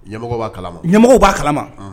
Ɲamɔgɔ b'a kalama, ɲɛmɔgɔ b'a kalama!